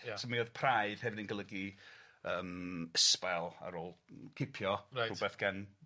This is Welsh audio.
Ia. So mi oedd praidd hefyd yn golygu yym ysbail ar ôl ng- cipio... Reit. ...rhwbeth gan